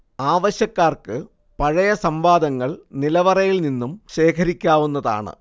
ആവശ്യക്കാർക്ക് പഴയ സംവാദങ്ങൾ നിലവറയിൽ നിന്നും ശേഖരിക്കാവുന്നതാണ്